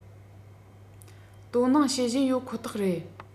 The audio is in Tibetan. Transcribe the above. དོ སྣང བྱེད བཞིན ཡོད ཁོ ཐག རེད